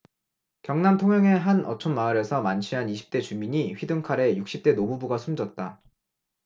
경남 통영의 한 어촌마을에서 만취한 이십 대 주민이 휘둔 칼에 육십 대 노부부가 숨졌다